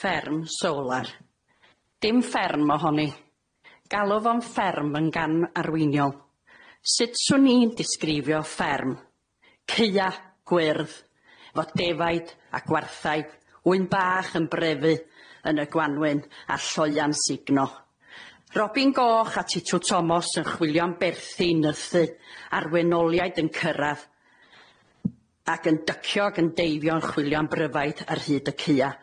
fferm sowlar dim fferm ohoni , galw fo'n fferm yn gam arweiniol sud swn i'n disgrifio fferm? Ceua gwyrdd efo defaid a gwarthag ŵyn bach yn brefu yn y gwanwyn a lloua'n sugno, robin goch a titw Tomos yn chwilio am berthyn nythu a'r wenoliaid yn cyrradd ac yn dycio ag yn deifio yn chwilio am bryfaid ar hyd y ceua.